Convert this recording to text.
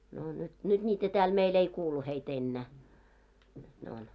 no nyt nyt niitä täällä meillä ei kuulu heitä enää nyt ne on